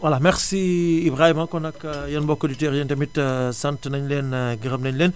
voilà merci Ibrahima kon nag yéen mbokki auditeurs yi yéen tamit sant nañu leen gërëm nañ leen